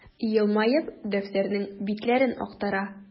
Елмаеп, дәфтәрнең битләрен актара.